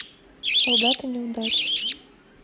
солдаты неудачи